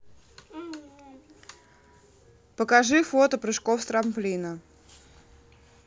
покажи фото прыжков с трамплина